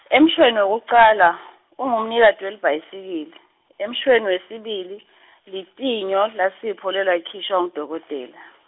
emshweni wekucala, ungumnikati welibhayisikili, emshweni wesibili, litinyo laSipho lelakhishwa ngudokodela.